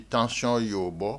I tansɔnɔn y'obɔ